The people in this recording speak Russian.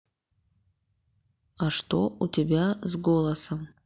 а что у тебя с голосом